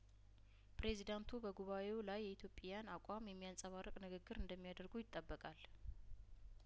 ፕሬዚዳንቱ በጉባኤው ላይ የኢትዮጵያን አቋም የሚያንጸባርቅ ንግግር እንደሚያደርጉ ይጠበቃል